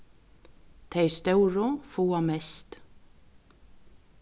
tey stóru fáa mest